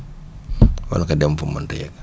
wala nga dem fu mu mënut a yegg